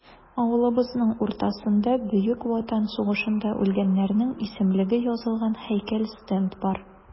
Авылыбызның уртасында Бөек Ватан сугышында үлгәннәрнең исемлеге язылган һәйкәл-стенд бар.